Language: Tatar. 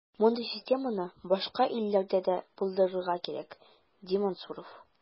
Мондый системаны башка илләрдә дә булдырырга кирәк, ди Мансуров.